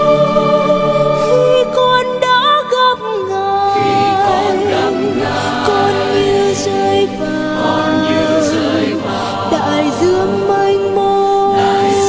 khi con đã gặp ngài con như rơi vào đại dương mênh mông